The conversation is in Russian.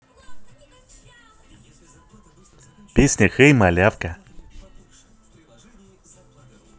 песня хэй малявка